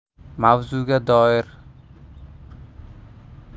mavzuga doir